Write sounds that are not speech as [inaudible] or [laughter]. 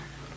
[hesitation] [hesitation]